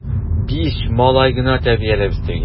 Биш малай гына тәрбияләп үстергән!